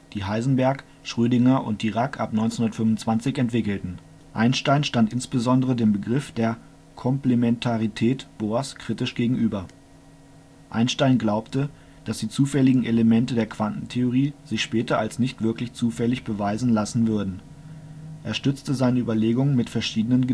die Heisenberg, Schrödinger und Dirac ab 1925 entwickelten. Einstein stand insbesondere dem Begriff der Komplementarität Bohrs kritisch gegenüber. Einstein glaubte, dass die zufälligen Elemente der Quantentheorie sich später als nicht wirklich zufällig beweisen lassen würden. Er stützte seine Überlegungen mit verschiedenen